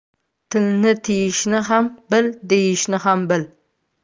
tilni tiyishni ham bil deyishni ham bil